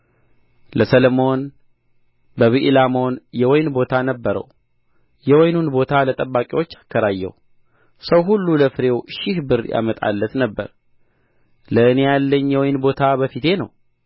ለሰሎሞን በብኤላሞን የወይን ቦታ ነበረው የወይኑን ቦታ ለጠባቂዎች አከራየው ሰው ሁሉ ለፍሬው ሺህ ብር ያመጣለት ነበር ለእኔ ያለኝ የወይን ቦታ በፊቴ ነው